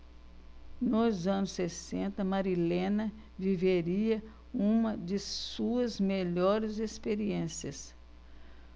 nos anos sessenta marilena viveria uma de suas melhores experiências